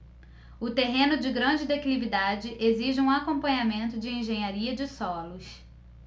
o terreno de grande declividade exige um acompanhamento de engenharia de solos